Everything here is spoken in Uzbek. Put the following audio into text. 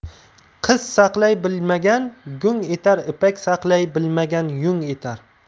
qiz saqlay bilmagan gung etar ipak saqlay bilmagan yung etar